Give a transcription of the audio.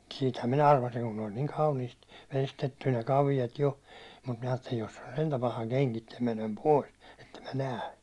siitähän minä arvasin kun ne oli niin kauniisti veistetty ne kaviot jo mutta minä ajattelin että jos se on sentään paha kengittää menen pois että en minä näe